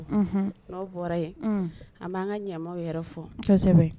N an b'an ka ɲaw yɛrɛ fɔ